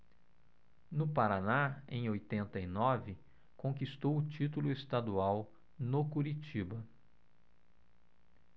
no paraná em oitenta e nove conquistou o título estadual no curitiba